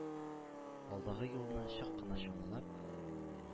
Алдагы юлны чак кына чамалап,